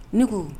Ne ko